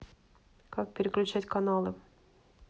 как переключать каналы